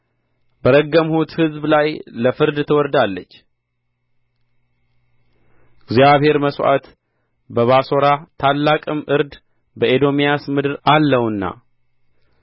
በረገምሁት ሕዝብ ላይ ለፍርድ ትወርዳለች እግዚአብሔር መሥዋዕት በባሶራ ታላቅም እርድ በኤዶምያስ ምድር አለውና